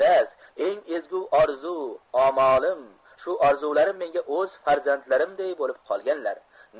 eng ezgu orzu omolim shu orzularim menga o'z farzandlarimday bo'lib qolganlar